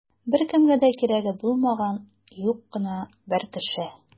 Беркемгә дә кирәге булмаган юк кына бер кеше.